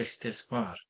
Filltir sgwâr?